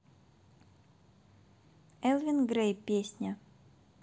элвин грей песня